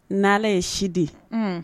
N ye siden ye